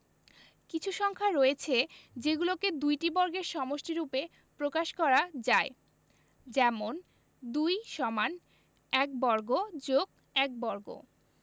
কিছু সংখ্যা রয়েছে যেগুলোকে দুইটি বর্গের সমষ্টিরুপে প্রকাশ করা যায় যেমনঃ ২ = ১ বর্গ + ১ বর্গ